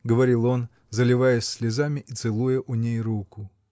— говорил он, заливаясь слезами и целуя у ней руку.